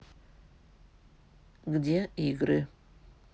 где игры